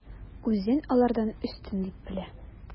Үзен алардан өстен дип белә.